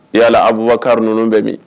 Y'abubakarir n ninnu bɛ min